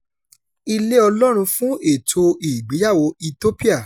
Ilé Ọlọ́run fún ètò ìgbéyàwó Ethiopia